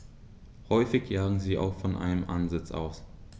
Häufig jagen sie auch von einem Ansitz aus.